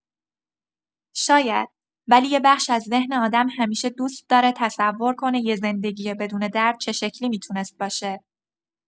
شاید، ولی یه بخش از ذهن آدم همیشه دوست داره تصور کنه یه زندگی بدون درد چه شکلی می‌تونست باشه.